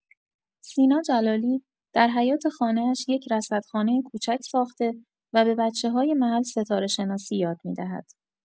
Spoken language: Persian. سینا جلالی، در حیاط خانه‌اش یک رصدخانه کوچک ساخته و به بچه‌های محل ستاره‌شناسی یاد می‌دهد.